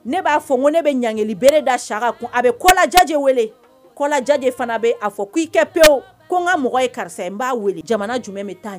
Ne b'a fɔ ko ne bɛ ɲgli bereere da saka kun a bɛ kɔlajajɛ wele kɔja de fana bɛ a fɔ' i kɛ pewu ko n ka mɔgɔ ye karisa n b'a jamana jumɛn bɛ taa